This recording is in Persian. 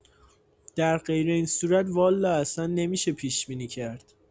در غیر این صورت والا اصا نمی‌شه پیش‌بینی کرد.